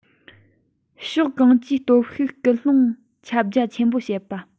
ཕྱོགས གང ཅིའི སྟོབས ཤུགས སྐུལ སློང ཁྱབ རྒྱ ཆེན པོ བྱེད པ